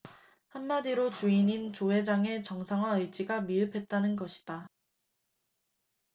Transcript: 한마디로 주인인 조 회장의 정상화 의지가 미흡했다는 것이다